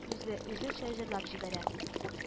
Үзлеүзенчә җырлап җибәрә